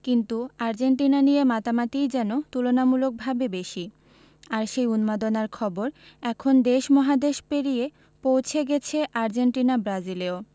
কিন্তু আর্জেন্টিনা নিয়ে মাতামাতিই যেন তুলনামূলকভাবে বেশি আর সেই উন্মাদনার খবর এখন দেশ মহাদেশ পেরিয়ে পৌঁছে গেছে আর্জেন্টিনা ব্রাজিলেও